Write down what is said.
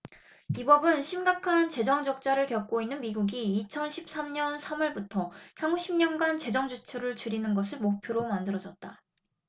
이 법은 심각한 재정적자를 겪고 있는 미국이 이천 십 삼 년 삼 월부터 향후 십 년간 재정지출을 줄이는 것을 목표로 만들어졌다